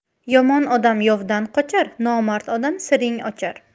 yomon odam yovdan qochar nomard odam siring ochar